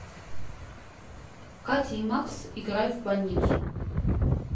катя и макс играют в больницу